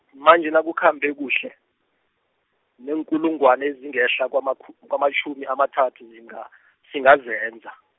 manje nakukhambe kuhle, neenkulungwana ezingehla kwamaku- kwamatjhumi amathathu, zinga- , singazenza.